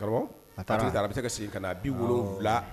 Bɛ se